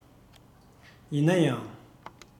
ཡིན ན ཡང